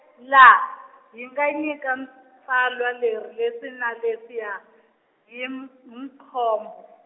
laha, hi nga nyika n-, tsalwa leri leswi na leswiya, hi M-, Mkhombo.